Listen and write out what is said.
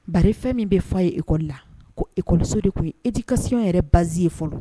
Ba fɛn min bɛ fɔ' ye ekoli la ko ekɔliso de tun e t'i kasiɔn yɛrɛ basi ye fɔlɔ